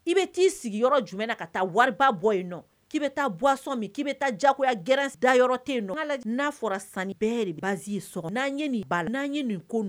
I bɛ taa'i sigi jumɛn na ka taa wari bɔ yen nɔ k'i bɛ taa buwasɔn min k'i bɛ taa jagoya garanɛrɛ da yɔrɔ te yen don n'a fɔra san bɛɛ baz sɔrɔ n'an ye nin ba n'an ye nin ko